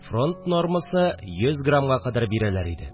Фронт нормасы – йөз граммга кадәр бирәләр иде